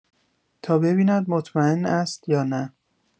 تا ببیند مطمئن است یا نه